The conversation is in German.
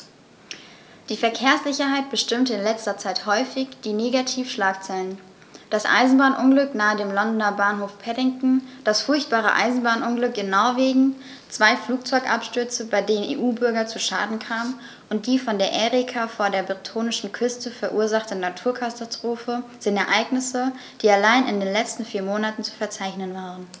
Die Verkehrssicherheit bestimmte in letzter Zeit häufig die Negativschlagzeilen: Das Eisenbahnunglück nahe dem Londoner Bahnhof Paddington, das furchtbare Eisenbahnunglück in Norwegen, zwei Flugzeugabstürze, bei denen EU-Bürger zu Schaden kamen, und die von der Erika vor der bretonischen Küste verursachte Naturkatastrophe sind Ereignisse, die allein in den letzten vier Monaten zu verzeichnen waren.